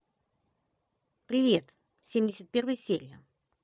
привет семьдесят первая серия